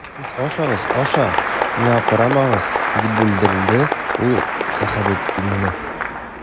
Сез ашагыз, аша, миңа карамагыз,— дип бүлдерде ул Сәхәбетдинне.